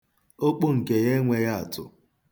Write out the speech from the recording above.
Okpo nke ya enweghị atụ.